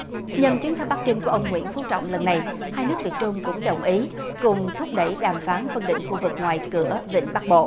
nhân chuyến thăm bắc kinh của ông nguyễn phú trọng lần này hai nước việt trung cũng đồng ý cùng thúc đẩy đàm phán phân định khu vực ngoài cửa vịnh bắc bộ